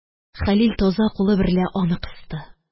Хәлил таза кулы берлә аны кысты...